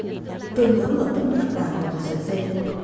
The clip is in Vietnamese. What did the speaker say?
tôi muốn một tấm lắc vàng và một sợi dây